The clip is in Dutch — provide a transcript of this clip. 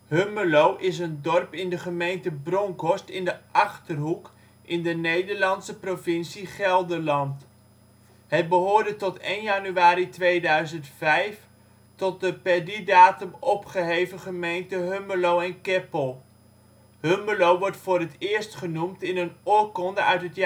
Hummelo is een dorp in de gemeente Bronckhorst in de Achterhoek, in de provincie Gelderland (Nederland). Het behoorde tot 1 januari 2005 tot de per die datum opgeheven gemeente Hummelo en Keppel. Hummelo wordt voor het eerst genoemd in een oorkonde uit het jaar